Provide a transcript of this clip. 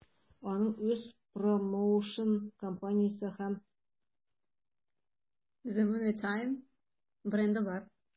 Аның үз промоушн-компаниясе һәм The Money Team бренды бар.